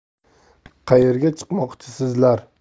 qaerga chiqmoqchisizlar